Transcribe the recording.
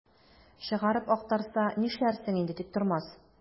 Чыгарып актарса, нишләрсең инде, Тиктормас?